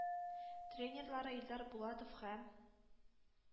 Тренерлары Илдар Булатов һәм